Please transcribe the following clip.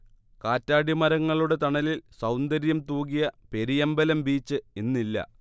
കറ്റാടിമരങ്ങളുടെ തണലിൽ സൗന്ദര്യം തൂകിയ പെരിയമ്പലം ബീച്ച് ഇന്നില്ല